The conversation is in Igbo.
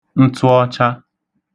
ntụọcha